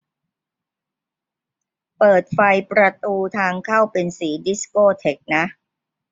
เปิดไฟประตูทางเข้าเป็นสีดิสโก้เทคนะ